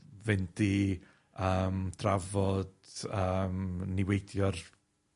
fynd i yym drafod yym niweidio'r